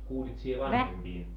kuulit sinä vanhempien